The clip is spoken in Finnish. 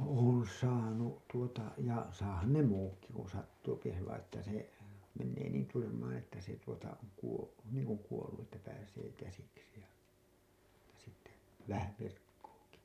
olen saanut tuota ja saahan ne muutkin kun sattuu se vain että se menee niin tyrmään että se tuota on - niin kuin kuollut että pääsee käsiksi ja mutta sitten vähän virkkuukin